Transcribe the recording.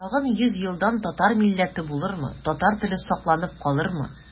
Тагын йөз елдан татар милләте булырмы, татар теле сакланып калырмы?